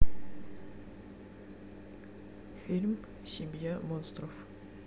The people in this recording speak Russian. фильм семья монстров